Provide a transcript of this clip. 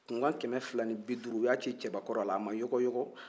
kunkan kɛmɛ fila ni bi duuru u y'a ci cɛbakɔrɔ la a ma yɔgɔyɔgɔ